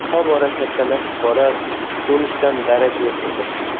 tobora kattalashib borar so'nishidan darak yo'q edi